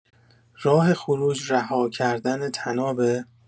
راه خروج رهاکردن طنابه؟